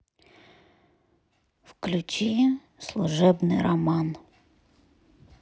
включи служебный роман